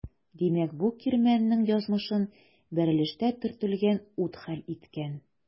Димәк бу кирмәннең язмышын бәрелештә төртелгән ут хәл иткән.